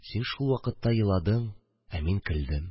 Син шул вакытта еладың, ә мин көлдем